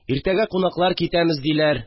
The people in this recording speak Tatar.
Иртәгә кунаклар китәмез диләр